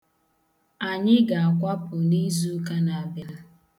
Anyị ga-akwapụ n' izuụka na abịa.